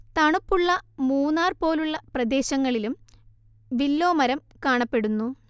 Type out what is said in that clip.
തണുപ്പുള്ള മൂന്നാർ പോലുള്ള പ്രദേശങ്ങളിലും വില്ലൊ മരം കാണപ്പെടുന്നു